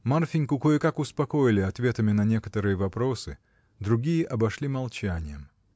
Марфиньку кое-как успокоили ответами на некоторые вопросы. Другие обошли молчанием.